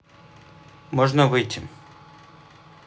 можно выйти